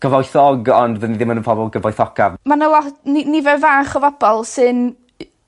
cyfoethog ond fydden ni ddim yn y pobol gyfoethocaf. Ma' 'na lot ni- nifer fach o fobol sy'n